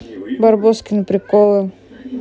барбоскины приколы